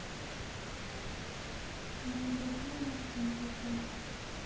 евдокимов фантазер